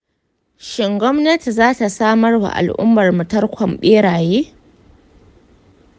shin gwamnati za ta samar wa al’ummarmu tarkon beraye?